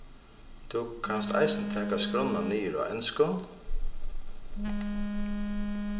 tú kanst eisini taka skránna niður á enskum